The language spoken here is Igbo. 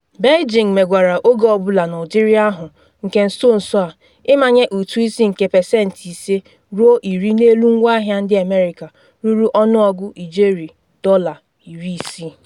Beijing megwara oge ọ bụla n’ụdịrị ahụ, nke nso nso a ịmanye ụtụ isi nke pasentị ise ruo iri n’elu ngwaahịa ndị America ruru ọnụọgụ ijeri $60.